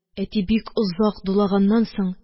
Әти, бик озак дулаганнан соң: